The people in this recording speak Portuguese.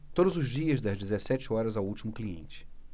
todos os dias das dezessete horas ao último cliente